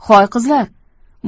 hoy qizlar